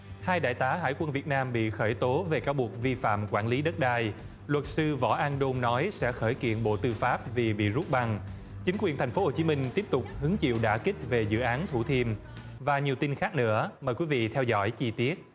hai đại tá hải quân việt nam bị khởi tố về cáo buộc vi phạm quản lý đất đai luật sư võ an đôn nói sẽ khởi kiện bộ tư pháp vì bị rút bằng chính quyền thành phố hồ chí minh tiếp tục hứng chịu đả kích về dự án hủ thiêm và nhiều tin khác nữa mời quý vị theo dõi chi tiết